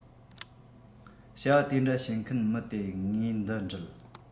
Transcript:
བྱ བ དེ འདྲ བྱེད མཁན མི དེ ངེས འདུ འདྲིལ